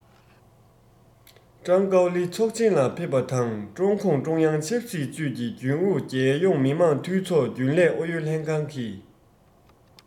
ཀྲང ཀའོ ལི ཚོགས ཆེན ལ ཕེབས པ དང ཀྲུང གུང ཀྲུང དབྱང ཆབ སྲིད ཅུས ཀྱི རྒྱུན ཨུ རྒྱལ ཡོངས མི དམངས འཐུས ཚོགས རྒྱུན ལས ཨུ ཡོན ལྷན ཁང གི